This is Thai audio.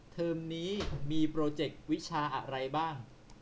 เทอมนี้มีโปรเจควิชาอะไรบ้าง